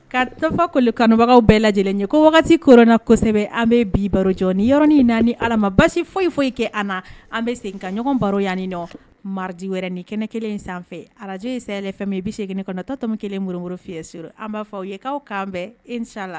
Karitafa kolo kanubagaw bɛɛ lajɛ lajɛlen ɲɛ ko wagati kona kosɛbɛ an bɛ bi baro jɔ niɔrɔnin naani ala ma basi foyi foyi kɛ an na an bɛ segin ka ɲɔgɔn baro yanni nɔ maridi wɛrɛ ni kɛnɛ kelen in sanfɛ araj in se fɛn bɛ segin kɔnɔtɔtɔmɛ kelenurkuru fiye sur an b'a fɔ aw yekawaw kanan bɛn ec la